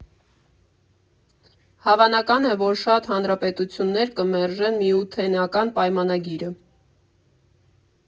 Հավանական է, որ շատ հանրապետություններ կմերժեն Միութենական պայմանագիրը։